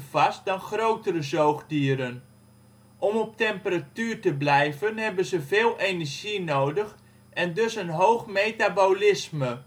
vast dan grotere zoogdieren. Om op temperatuur te blijven hebben ze veel energie nodig en dus een hoog metabolisme